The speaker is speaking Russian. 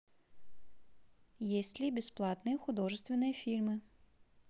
есть ли бесплатные художественные фильмы